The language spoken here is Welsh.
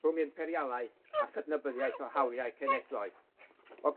rhwng imperialaeth a chydnabyddiaeth o hawliau cenedloedd, o